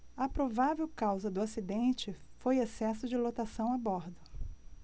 a provável causa do acidente foi excesso de lotação a bordo